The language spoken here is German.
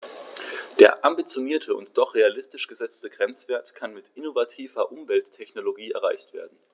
Der ambitionierte und doch realistisch gesetzte Grenzwert kann mit innovativer Umwelttechnologie erreicht werden.